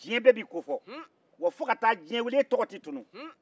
diɲɛ bɛɛ b'i ko fɔ wa fo ka ta diɲɛ wili e tɔgɔ tɛ tunun